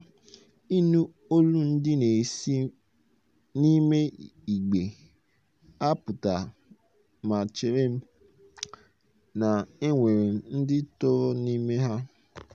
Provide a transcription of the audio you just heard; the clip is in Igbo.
Mgbe ahụ, ọ tụrụ m n'anya ịnụ olu ndị na-esi n'ime "igbe" a apụta ma echere m na e nwere ndị tọrọ n'ime ya.